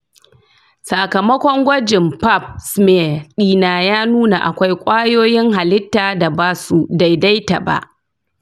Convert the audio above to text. sakamakon gwajin pap smear dina ya nuna akwai ƙwayoyin halitta da ba su daidai ba.